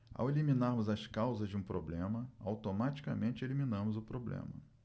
ao eliminarmos as causas de um problema automaticamente eliminamos o problema